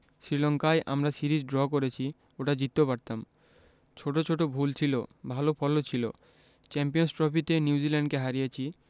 শ্রীলঙ্কায় আমরা series draw করেছি ওটা জিততেও পারতাম ছোট ছোট ভুল ছিল ভালো ফলও ছিল চ্যাম্পিয়নস ট্রফিতে নিউজিল্যান্ডকে হারিয়েছি